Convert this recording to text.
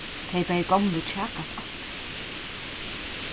tey bæði gomlu kjakast altíð